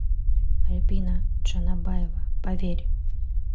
альбина джанабаева поверь